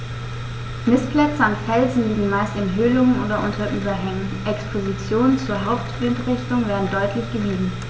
Nistplätze an Felsen liegen meist in Höhlungen oder unter Überhängen, Expositionen zur Hauptwindrichtung werden deutlich gemieden.